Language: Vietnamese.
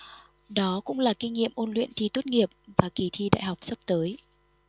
đó cũng là kinh nghiệm ôn luyện thi tốt nghiệp và kì thi đại học sắp tới